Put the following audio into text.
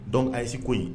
Dɔnc ayise ko yen